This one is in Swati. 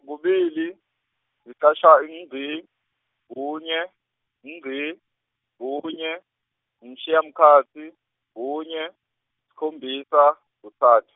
kubili, lichasha, yingci, kunye, ngci, kunye, ngushiya mkhasi, kunye, sikhombisa, kutsat-.